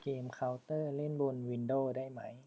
เกมเค้าเตอร์เล่นบนวินโด้ได้ไหม